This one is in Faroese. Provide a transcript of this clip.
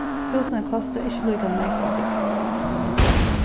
húsini kosta ikki líka nógv á bygd